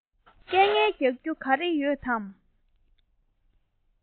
སྐད ངན རྒྱག རྒྱུ ག རེ ཡོད དམ